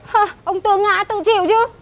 hơ ông tự ngã tự chịu chứ